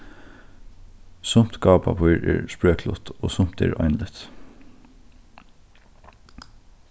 sumt gávupappír er sprøklut og sumt er einlitt